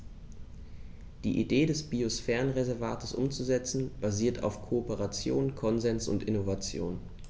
Die Idee des Biosphärenreservates umzusetzen, basiert auf Kooperation, Konsens und Innovation.